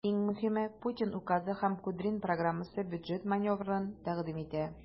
Иң мөһиме, Путин указы һәм Кудрин программасы бюджет маневрын тәкъдим итә.